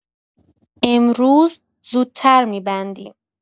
امروز زودتر می‌بندیم.